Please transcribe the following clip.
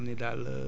bay la